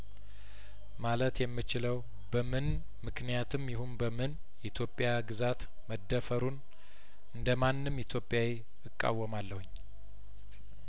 ማለት የም ችለው በምን ምክንያትም ይሁን በምን የኢትዮጵያ ግዛት መደፈሩን እንደማንም ኢትዮጵያዊ እቃወማለሁኝ